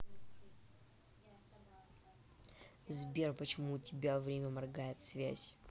сбер почему у тебя время моргает связь